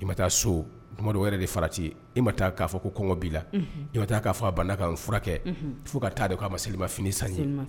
I ma taa sodɔ de fara ci i ma taa k'a fɔ ko kɔngɔ b' la i'a fɔ a banna ka n furakɛ fo ka taaa dɔn'a ma selima fini san ye